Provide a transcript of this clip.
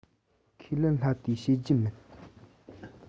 ཁས ལེན སླ དེ བཤད རྒྱུ མིན